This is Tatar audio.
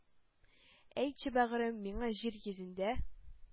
Әйтче, бәгърем, миңа, җир йөзендә